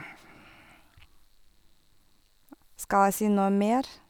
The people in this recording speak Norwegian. Skal jeg si noe mer?